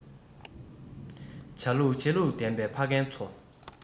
བྱ ལུགས བྱེད ལུགས ལྡན པའི ཕ རྒན ཚོ